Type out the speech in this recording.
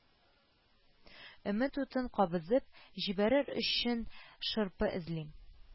Өмет утын кабызып җибәрер өчен шырпы эзлим